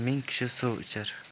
ming kishi suv ichar